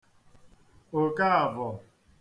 Òkaavọ̀